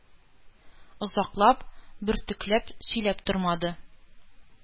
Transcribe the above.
Озаклап, бөртекләп сөйләп тормады,